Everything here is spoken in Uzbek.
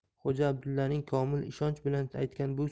xo'ja abdullaning komil ishonch bilan aytgan bu